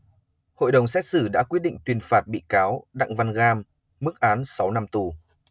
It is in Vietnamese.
hội đồng xét xử đã quyết định tuyên phạt bị cáo đặng văn gam mức án sáu năm tù